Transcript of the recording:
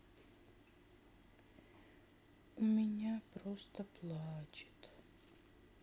у меня просто плачет